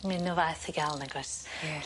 'Im un o'i fath i ga'l nagoes? Ie.